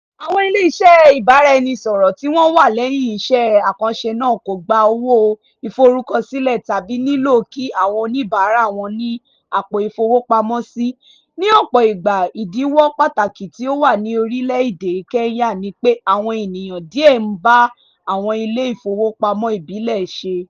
Àwọn ilé iṣẹ́ ìbáraẹnisọ̀rọ̀ tí wọ́n wà lẹ́yìn iṣẹ́ àkànṣe náà kò gba owó ìforúkọsílẹ̀ tàbí nílò kí àwọn oníbàárà wọn ní àpò ìfowópamọ́ sí, ní ọ̀pọ̀ ìgbà ìdíwọ́ pàtàkì tí ó wà ní orílẹ̀ èdè Kenya ni pé àwọn ènìyàn díẹ̀ ń bá àwọn ilé ìfowópamọ́ ìbílẹ̀ ṣe.